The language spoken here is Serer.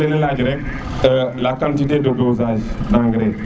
demay laj rek la quantite de dosage d' engrais